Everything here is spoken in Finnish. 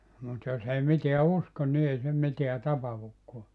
mutta jos ei mitään usko niin ei se mitään tapahdukaan